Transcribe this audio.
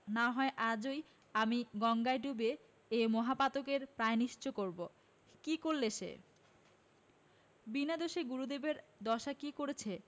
না হয় আজই আমি গঙ্গায় ডুবে এ মহাপাতকের প্রায়নিশ্চ করব কি করলে সে বিনা দোষে গুরুদেবের দশা কি করেছে